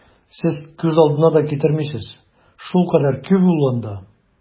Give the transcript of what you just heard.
Сез күз алдына да китермисез, шулкадәр күп ул анда!